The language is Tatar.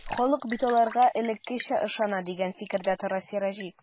Халык бит аларга элеккечә ышана, дигән фикердә тора Сираҗи.